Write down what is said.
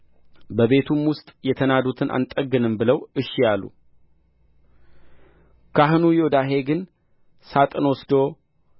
በቤቱም ውስጥ የተናዱትን አንጠግንም ብለው እሺ አሉ ካህኑ ዮዳሄ ግን ሣጥን ወስዶ